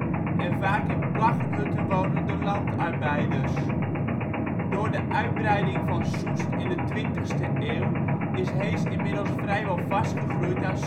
en vaak in plaggenhutten wonende landarbeiders. Door de uitbreiding van Soest in de 20e eeuw is Hees inmiddels vrijwel vastgegroeid aan